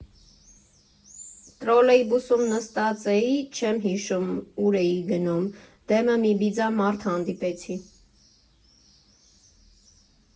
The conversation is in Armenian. Տրոլեյբուսում նստած էի, չեմ հիշում՝ ուր էի գնում, դեմը մի բիձա մարդ հանդիպեցի։